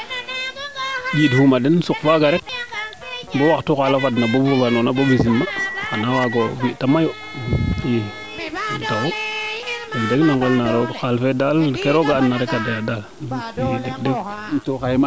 njiiɗ xuma den kaga rek bo waxtu xaala fadna bo bufa noona bo bo ɓisiin ma xana waago fi ta mayu i ten taxu wax deg no ngel na roog xaal fe daal ke rooga an na daal a doya daal i